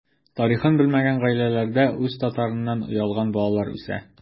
Тарихын белмәгән гаиләләрдә үз татарыннан оялган балалар үсә.